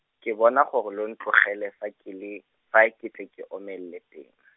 ke bona gore lo ntlogele fa ke le, fa ke tle ke omelele teng.